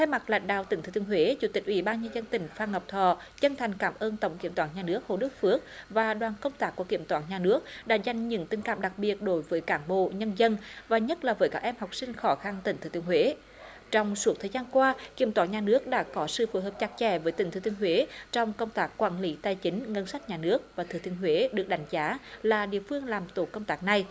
thay mặt lãnh đạo tỉnh thừa thiên huế chủ tịch ủy ban nhân dân tỉnh phan ngọc thọ chân thành cảm ơn tổng kiểm toán nhà nước hồ đức phước và đoàn công tác của kiểm toán nhà nước đã dành những tình cảm đặc biệt đối với cán bộ nhân dân và nhất là với các em học sinh khó khăn tỉnh thừa thiên huế trong suốt thời gian qua kiểm toán nhà nước đã có sự phối hợp chặt chẽ với tỉnh thừa thiên huế trong công tác quản lý tài chính ngân sách nhà nước và thừa thiên huế được đánh giá là địa phương làm tốt công tác này